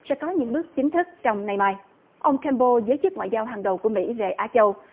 sẽ có những bước chính thức trong ngay mai ông kem bô giới chức ngoại giao hàng đầu của mỹ về á châu